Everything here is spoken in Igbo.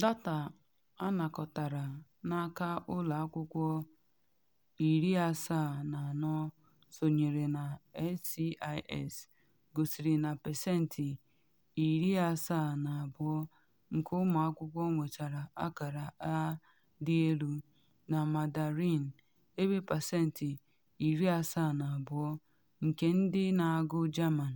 Data, anakọtara n’aka ụlọ akwụkwọ 74 sonyere na SCIS, gosiri na pasentị 72 nke ụmụ akwụkwọ nwetara akara A Dị Elu na Mandarin, ebe pasentị 72 nke ndị na agụ German,